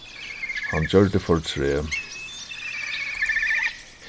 hann gjørdi fortreð